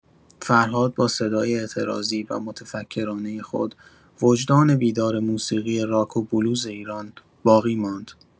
فرهاد با صدای اعتراضی و متفکرانه خود، وجدان بیدار موسیقی راک و بلوز ایران باقی ماند.